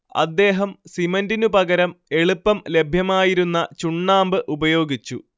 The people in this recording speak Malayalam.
അദ്ദേഹം സിമന്റിനു പകരം എളുപ്പം ലഭ്യമായിരുന്ന ചുണ്ണാമ്പ് ഉപയോഗിച്ചു